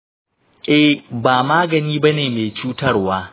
eh, ba magani ba ne mai cutarwa.